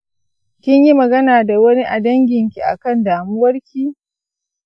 kinyi magana da wani a danginki akan damuwarki?